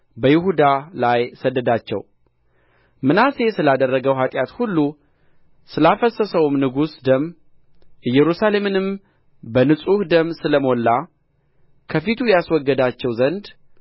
በይሁዳ ላይ ሰደዳቸው ምናሴ ስላደረገው ኃጢአት ሁሉ ስላፈሰሰውም ንጹሕ ደም ኢየሩሳሌምንም በንጹሕ ደም ስለሞላ ከፊቱ ያስወግዳቸው ዘንድ